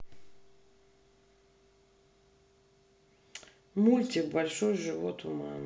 мультик большой живот у мамы